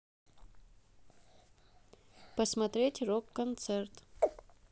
посмотреть рок концерт